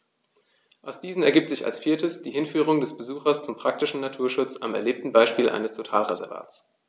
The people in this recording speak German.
Aus diesen ergibt sich als viertes die Hinführung des Besuchers zum praktischen Naturschutz am erlebten Beispiel eines Totalreservats.